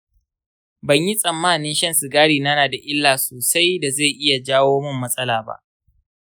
ban yi tsammanin shan sigarina na da illa sosai da zai iya jawo mun matsala ba.